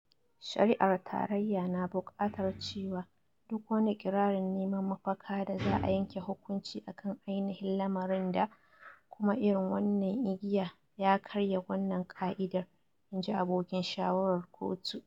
“Shari’ar Tarayya na bukatar cewa duk wani ikirarin neman mafaka da za a yanke hukunci a kan ainihin lamarin da, kuma irin wannan igiya ya karya wannan ka'idar, "in ji abokin shawarar kotu.